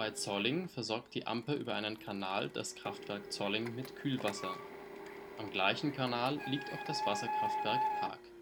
Zolling versorgt die Amper über einen Kanal das Kraftwerk Zolling mit Kühlwasser. Am gleichen Kanal liegt auch das Wasserkraftwerk Haag